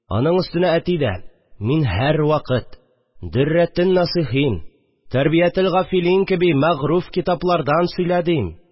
Мин һәрвакыт «Дөррәтеннасыйхин», «Тәнбиател-гафилин» кеби мәгъруф китаплардан сөйлә, дим